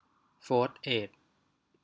โฟธเอด